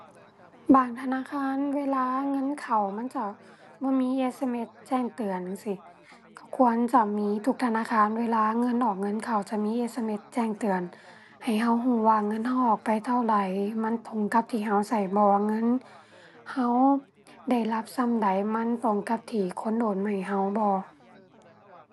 บางธนาคารเวลาเงินเข้ามันก็บ่มี SMS แจ้งเตือนจั่งซี้ ก็ควรจะมีทุกธนาคารเวลาเงินออกเงินเข้าจะมี SMS แจ้งเตือน ให้ก็ก็ว่าเงินก็ออกไปเท่าไหร่ มันตรงกับที่ก็ก็บ่ เงินก็ได้รับส่ำใด มันตรงกับที่คนโอนมาให้ก็บ่